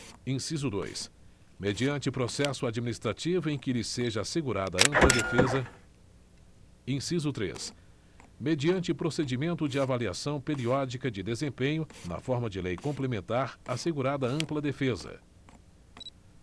inciso dois mediante processo administrativo em que lhe seja assegurada ampla defesa inciso três mediante procedimento de avaliação periódica de desempenho na forma de lei complementar assegurada ampla defesa